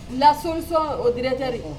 Lasɔnonsɔn o dtɛri